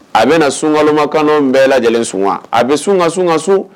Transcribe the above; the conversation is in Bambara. A bɛna na sunkamakan bɛɛ lajɛ lajɛlen sun wa a bɛ sun ka sun ka sun